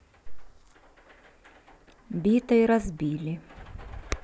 битой разбили